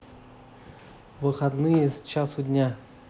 выходные с часу дня